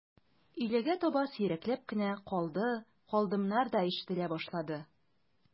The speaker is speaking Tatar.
Өйләгә таба сирәкләп кенә «калды», «калдым»нар да ишетелә башлады.